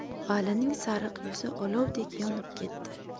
valining sariq yuzi olovdek yonib ketdi